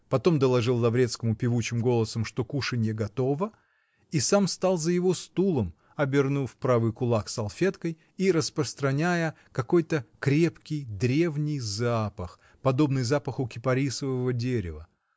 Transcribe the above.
потом доложил Лаврецкому певучим голосом, что кушанье готово, -- и сам стал за его стулом, обвернув правый кулак салфеткой и распространяя какой-то крепкий, древний запах, подобный запаху кипарисового дерева.